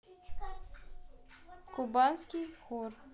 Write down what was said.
кубанский хор